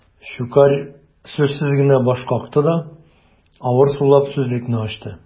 Щукарь сүзсез генә баш какты да, авыр сулап сүзлекне ачты.